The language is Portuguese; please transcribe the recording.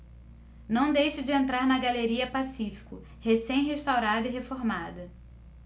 não deixe de entrar na galeria pacífico recém restaurada e reformada